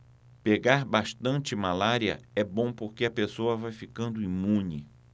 pegar bastante malária é bom porque a pessoa vai ficando imune